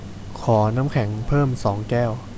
ขอน้ำแข็งเพิ่มสองแก้ว